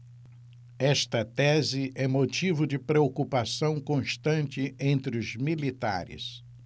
esta tese é motivo de preocupação constante entre os militares